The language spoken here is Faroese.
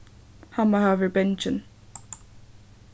hann má hava verið bangin